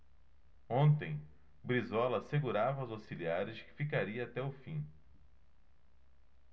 ontem brizola assegurava aos auxiliares que ficaria até o fim